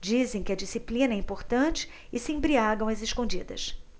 dizem que a disciplina é importante e se embriagam às escondidas